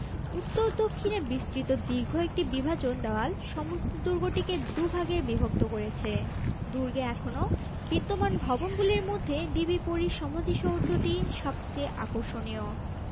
উত্তর দক্ষিণে বিস্তৃত দীর্ঘ একটি বিভাজন দেওয়াল সমস্ত দুর্গটিকে দুভাগে বিভক্ত করেছে দুর্গে এখনও বিদ্যমান ভবনগুলির মধ্যে বিবি পরীর সমাধিসৌধটি সবচেয়ে আকর্ষণীয়